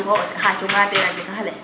wo xa cunga teen a cikaxa le